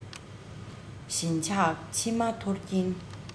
ཞེན ཆགས མཆི མ འཐོར གྱིན